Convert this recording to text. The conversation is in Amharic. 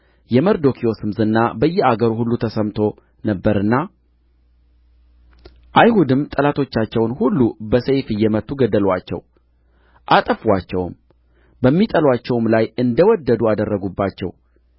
የመርዶክዮስም ዝና በየአገሩ ሁሉ ተሰምቶ ነበርና አይሁድም ጠላቶቻቸውን ሁሉ በሰይፍ እየመቱ ገደሉአቸው አጠፉአቸውም በሚጠሉአቸውም ላይ እንደ ወደዱ አደረጉባቸው